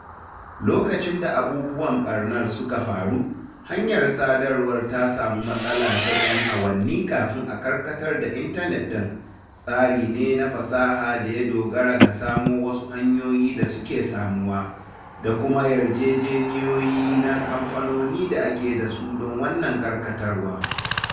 Lokacin da abubuwan ɓarnar suka faru, hanyar sadarwar ta samu matsala ta 'yan awanni kafin a karkatar da intanet ɗin, tsari ne na fasaha da ya dogara ga samo wasu hanyoyi da suke samuwa, da kuma yarjejeniyoyi na kamfanoni da ake dasu don wannan karkatarwa.